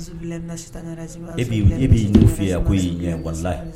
E b'' fɛla